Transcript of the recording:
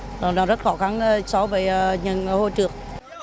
lần đầu rất khó khăn hơn so với những hồi trước